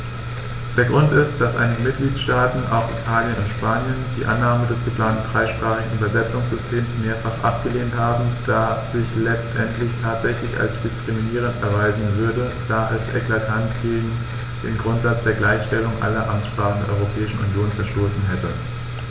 Der Grund ist, dass einige Mitgliedstaaten - auch Italien und Spanien - die Annahme des geplanten dreisprachigen Übersetzungssystems mehrfach abgelehnt haben, das sich letztendlich tatsächlich als diskriminierend erweisen würde, da es eklatant gegen den Grundsatz der Gleichstellung aller Amtssprachen der Europäischen Union verstoßen hätte.